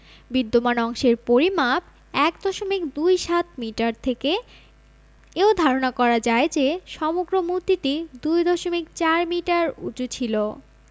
বিদ্যমান অংশের পরিমাপ ১ দশমিক দুই সাত মিটার থেকে এও ধারণা করা যায় যে সমগ্র মূর্তিটি ২ দশমিক ৪ মিটার উঁচু ছিল